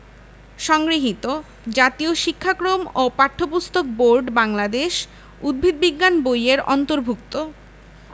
সংগৃহীত জাতীয় শিক্ষাক্রম ও পাঠ্যপুস্তক বোর্ড বাংলাদেশ উদ্ভিদ বিজ্ঞান বই এর অন্তর্ভুক্ত